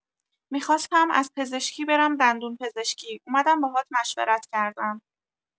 می‌خواستم از پزشکی برم دندونپزشکی، اومدم باهات مشورت کردم.